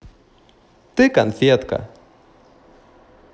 ты конфетка